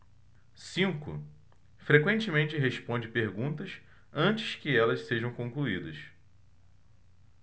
cinco frequentemente responde perguntas antes que elas sejam concluídas